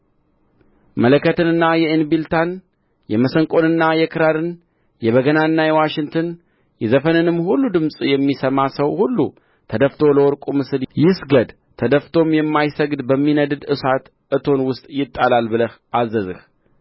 መለከትንና የእንቢልታን የመሰንቆንና የክራርን የበገናንና የዋሽንትን የዘፈንንም ሁሉ ድምፅ የሚሰማ ሰው ሁሉ ተደፍቶ ለወርቁ ምስል ይስገድ ተደፍቶም የማይሰግድ በሚነድድ እሳት እቶን ውስጥ ይጣላል ብለህ አዘዝህ